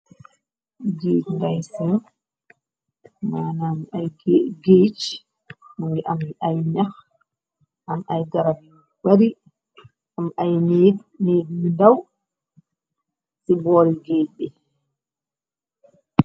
Giij ndayse maana am ay giec mu ngi am yi ay nex am ay garab yu wari am ay niig niig mi ndaw ci boori géej bi.